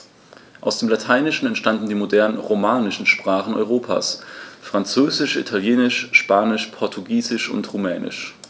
Aus dem Lateinischen entstanden die modernen „romanischen“ Sprachen Europas: Französisch, Italienisch, Spanisch, Portugiesisch und Rumänisch.